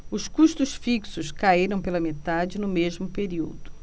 os custos fixos caíram pela metade no mesmo período